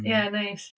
Ia neis.